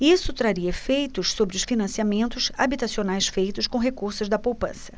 isso traria efeitos sobre os financiamentos habitacionais feitos com recursos da poupança